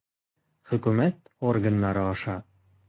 Хөкүмәт органнары аша.